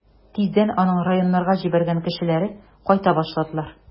Тиздән аның районнарга җибәргән кешеләре кайта башладылар.